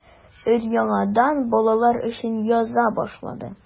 Өр-яңадан балалар өчен яза башлады.